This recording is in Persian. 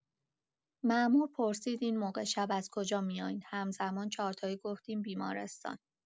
مامور پرسید این موقع شب از کجا میاین همزمان چهارتایی گفتیم بیمارستان